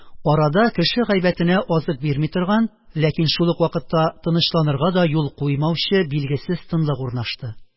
Арада кеше гайбәтенә азык бирми торган, ләкин шул ук вакытта тынычланырга да юл куймаучы билгесез тынлык урнашты